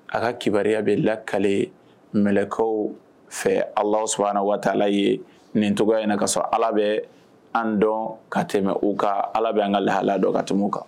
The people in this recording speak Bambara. A ka kibaruya bɛ lakale mkaw fɛ ala sɔrɔ a waati ala ye nin tɔgɔ ɲɛna ka sɔn ala bɛ an dɔn ka tɛmɛ u ka ala bɛ an ka lahala dɔn ka tɛmɛ kan